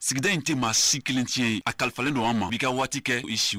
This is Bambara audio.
Sigida in tɛ maa si kelen tiɲɛ ye a kalifa don an ma i ka waati kɛ i si